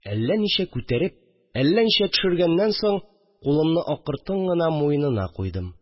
Әллә ничә күтәреп, әллә ничә төшергәннән соң, кулымны акыртын гына муенына куйдым